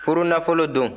furunafolo don